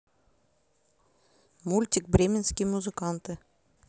мультик бременские музыканты